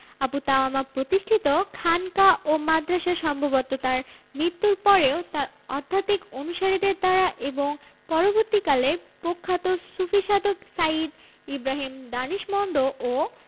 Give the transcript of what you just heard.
আবু তাওয়ামা প্রতিষ্ঠিত খানকা ও মাদ্রাসা সম্ভবত তাঁর মৃত্যুর পরেও তাঁর আধ্যাত্মিক অনুসারীদের দ্বারা এবং পরবর্তীকালে প্রখ্যাত সুফিসাধক সাইয়্যিদ ইবরাহিম দানিশমন্দ ও